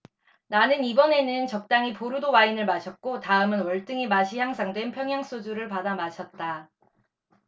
나는 이번에는 적당히 보르도 와인을 마셨고 다음은 월등히 맛이 향상된 평양 소주를 받아 마셨다